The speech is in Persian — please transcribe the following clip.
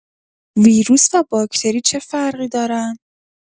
ویروس و باکتری چه فرقی دارن؟